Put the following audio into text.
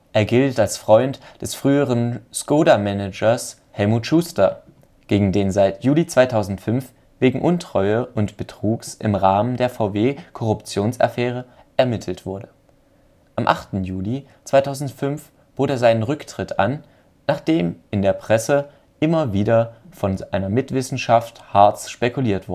Er gilt als Freund des früheren Škoda-Managers Helmuth Schuster, gegen den seit Juli 2005 wegen Untreue und Betrugs im Rahmen der VW-Korruptionsaffäre ermittelt wurde. Am 8. Juli 2005 bot er seinen Rücktritt an, nachdem in der Presse immer wieder von einer Mitwisserschaft Hartz ' spekuliert